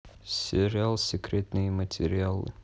сериал секретные материалы